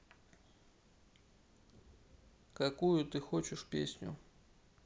какую ты хочешь песню